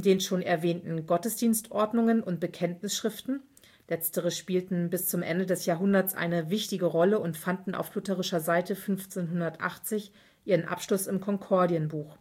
den schon erwähnten Gottesdienstordnungen und Bekenntnisschriften (letztere spielten bis zum Ende des Jahrhunderts eine wichtige Rolle und fanden auf lutherischer Seite 1580 ihren Abschluss im Konkordienbuch)